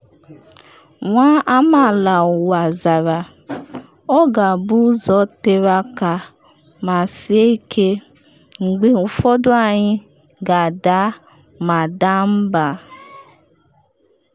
Global Citizen zara: “Ọ ga-abụ ụzọ tere aka ma sie ike - mgbe ụfọdụ anyị ga ada ma daa mba.